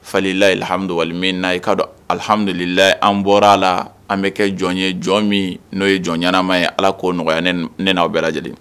an bɔra la an bi kɛ jɔn ye jɔn min no ye jɔnɲanaman ye . Ala ko nɔgɔya ne ni aw bɛɛ lajɛlen ye.